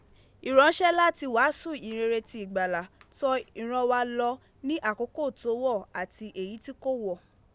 Iranse nla ti waasu ihinrere ti igbala to iran wa lo ni akoko to wo ati eyi ti ko wo.